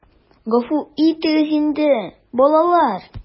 Гафу итегез инде, балалар...